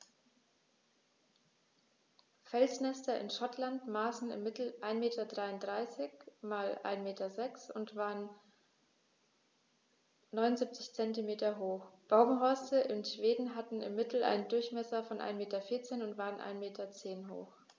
Felsnester in Schottland maßen im Mittel 1,33 m x 1,06 m und waren 0,79 m hoch, Baumhorste in Schweden hatten im Mittel einen Durchmesser von 1,4 m und waren 1,1 m hoch.